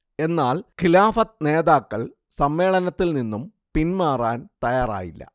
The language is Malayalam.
എന്നാൽ ഖിലാഫത്ത് നേതാക്കൾ സമ്മേളനത്തിൽ നിന്ന് പിന്മാറാൻ തയാറായില്ല